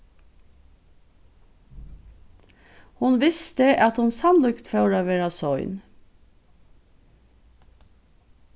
hon visti at hon sannlíkt fór at verða sein